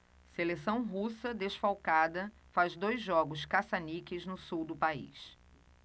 seleção russa desfalcada faz dois jogos caça-níqueis no sul do país